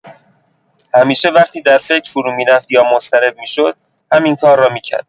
همیشه وقتی در فکر فرومی‌رفت یا مضطرب می‌شد، همین کار را می‌کرد.